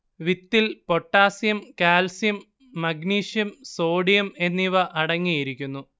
വിത്തിൽ potassium calcium magnesium sodium എന്നിവ അടങ്ങിയിരിക്കുന്നു